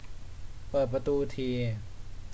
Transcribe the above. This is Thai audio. เปิดประตูที